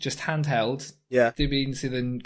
jyst handheld. Ie. Dim un sydd yn...